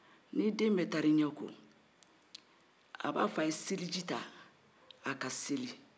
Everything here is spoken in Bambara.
ni den bɛɛ taara i ɲɛ ko a b'a fo